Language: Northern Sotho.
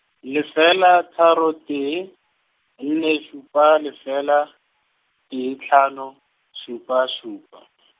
lefela tharo tee, nne šupa lefela, tee hlano, šupa šupa .